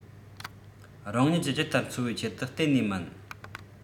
རང ཉིད ཀྱི ཇི ལྟར འཚོ བའི ཆེད དུ གཏན ནས མིན